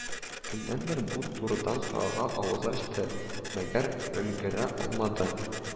Кемнәндер бу турыда сорарга авыз ачты, мәгәр өлгерә алмады